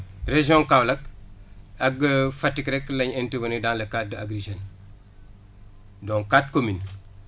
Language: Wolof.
région Kaolack ak Fatick rek lañ intervenir dans le cadre Agri Jeunes dont quatre communes